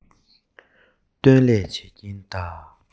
སྟོན ལས བྱེད ཀྱིན གདའ